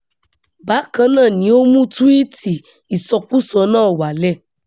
Bákan náà ni ó mú túwíìtì ìsọkúsọ náà wálẹ̀.